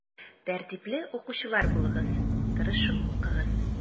Тәртипле укучылар булыгыз, тырышып укыгыз.